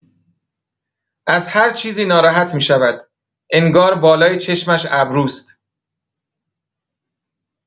از هر چیزی ناراحت می‌شود، انگار بالای چشمش ابروست!